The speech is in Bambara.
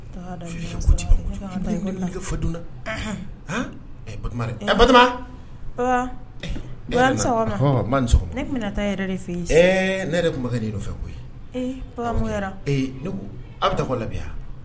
chuchotements -Ne ka kan ka taa école la. I b'o fɔ joona. Unhun, han, ɛɛ Batoma yɛrɛ. Batoma! Papa, papa a ni sɔgɔma. Ɔnhɔn! Un baa, i ni sɔgɔma. Ne tun bɛ ka taa e yɛrɛ de fɛ yen sisan. Ee ne yɛrɛ tun bɛ ka na i nɔfɛ koyi. Ee papa mun kɛra? Ee, ne ko, a bɛ ta ecole la bi wa?